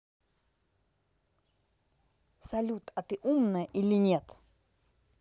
салют а ты умная или нет